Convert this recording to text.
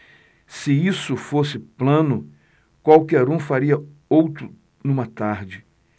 se isso fosse plano qualquer um faria outro numa tarde